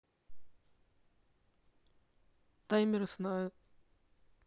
таймер сна